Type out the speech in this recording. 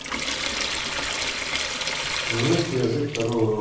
немецкий язык второй урок